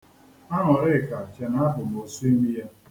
Aṅụrịka che na abụ m osuimi ya.